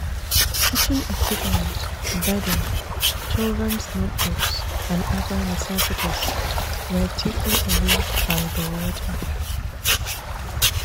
Kitchen equipment, bedding, children’s notebooks, and other necessities were taken away by the water.